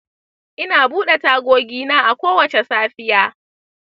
ina bude tagogi na a kowace safiya.